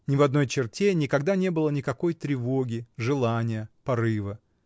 Ни в одной черте никогда не было никакой тревоги, желания, порыва.